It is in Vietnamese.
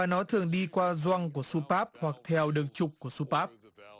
nó thường đi qua gioăng của xu páp hoặc theo đường trục của xu páp